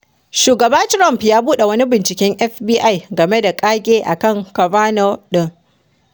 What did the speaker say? Shugaba Trump ya buɗe wani binciken FBI game da ƙage a kan Kavanaugh ɗin.